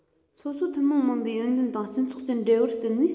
སོ སོའི ཐུན མོང མིན པའི ཡོན ཏན དང སྤྱི ཚོགས ཀྱི འབྲེལ བར བརྟེན ནས